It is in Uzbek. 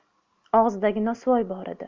og'zida nosvoy bor edi